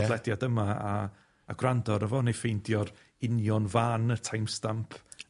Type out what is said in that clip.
...podlediad yma a a gwrando aro fo, neu ffeindio'r union fan y timestamp